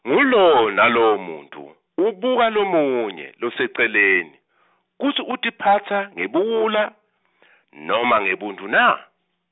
ngulowo nalowo muntfu ubuka lomunye loseceleni, kutsi utiphatsa ngebuwula noma ngebuntfu na?